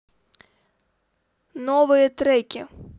новые треки